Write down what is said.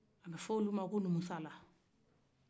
a bɛ fɔ olu ma numusala